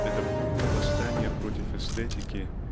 это буйное восстание против эстетики